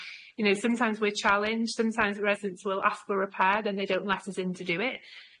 You know sometimes we're challenged sometimes residents will ask for a repair then they don't let us in to do it.